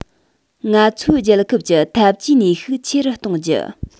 ང ཚོའི རྒྱལ ཁབ ཀྱི འཐབ ཇུས ནུས ཤུགས ཆེ རུ གཏོང རྒྱུ